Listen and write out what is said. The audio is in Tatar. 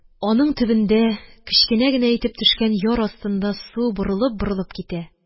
Аның төбендә кечкенә генә итеп төшкән яр астында су борылып-борылып китә